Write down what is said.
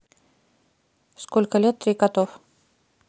сколько лет три котов